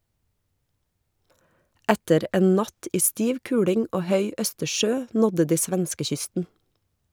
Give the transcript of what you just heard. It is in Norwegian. Etter en natt i stiv kuling og høy Østersjø nådde de svenskekysten.